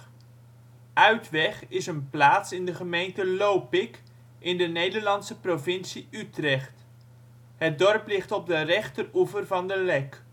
plaats in de gemeente Lopik, in de Nederlandse provincie Utrecht. Het dorp ligt op de rechteroever van de Lek